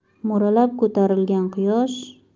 mo'ralab ko'tarilgan quyosh